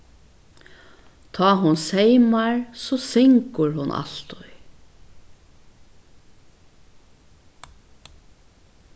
tá hon seymar so syngur hon altíð